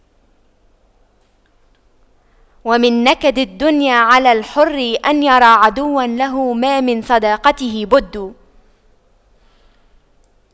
ومن نكد الدنيا على الحر أن يرى عدوا له ما من صداقته بد